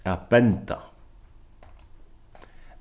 at benda